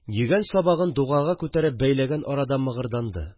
Йөгән сабагын дугага күтәреп бәйләгән арада мыгырданды